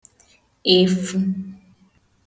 efu